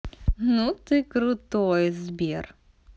ну ты крутой сбер